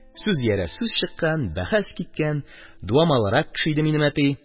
Сүз иярә сүз чыккан, бәхәс киткән. Дуамалрак кеше иде минем әти: «